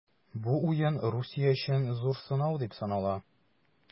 Бу уен Русия өчен зур сынау дип санала.